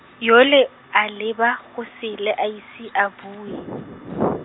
yole, a leba, go sele a ise a bue.